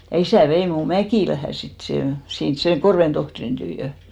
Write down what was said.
ja isä vei minun Mäkilään sitten sen sinne sen Korven tohtorin tykö